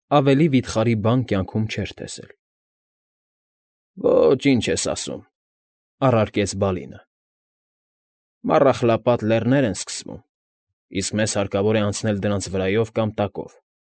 Ավելի վիթխարի բան կյանքում չէր տեսել։ ֊ Ոչ, ինչ ես ասում,֊ առարկեց Բալինը։֊ Մառախլապատ Լեռներն են սկսվում, իսկ մեզ հարկավոր է անցնել դրանց վրայով կամ տակով։